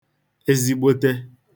ezigbote